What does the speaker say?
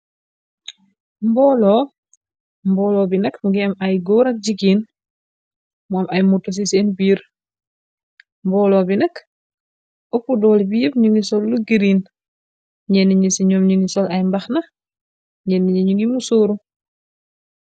Mbolo mbolo bi nak mongi am ay goor ak jigéen mu am ay moto si sen birr mbolo bi nak oppu dole yeep nyugi sol lu green nyena si nyum nyugi sol mbahana nyena yi nyugi mosoru.